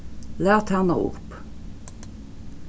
lat hana upp